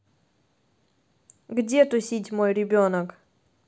где тусить мой ребенок